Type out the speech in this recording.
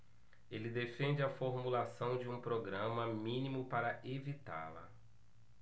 ele defende a formulação de um programa mínimo para evitá-la